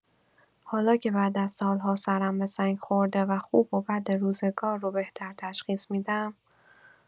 حالا که بعد از سال‌ها سرم به سنگ خورده و خوب و بد روزگار رو بهتر تشخیص می‌دم؛